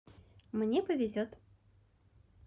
мне повезет